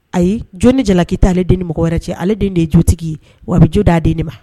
Ayi jo ni jalaki t'ale den ni mɔgɔ wɛrɛ cɛ, ale den de ye jotigi ye, wa bɛ jo d'a den de ma.